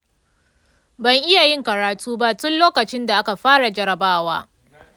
ban iya yin karatu ba tun lokacin da aka fara jarabawa.